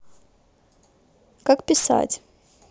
как писать